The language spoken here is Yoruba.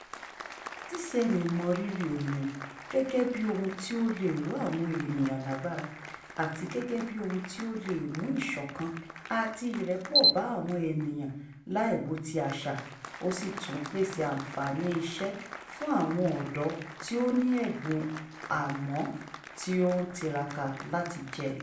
DCMA mọ rírì orin gẹ́gẹ́ bí ohun tí ó leè ró àwọn ènìyàn lágbára àti gẹ́gẹ́ bí ohun tí ó lè mú ìṣọ̀kan àti ìrẹ́pọ̀ bá àwọn ènìyàn láì wo ti àṣà — ó sì tún ń pèsè àǹfààní iṣẹ́ fún àwọn ọ̀dọ́ tí ó ní ẹ̀bùn àmọ́ tí ó ń tiraka láti jẹ.